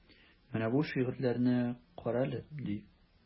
Менә бу шигырьләрне карале, ди.